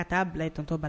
Ka taa a bila tɔtɔ bali la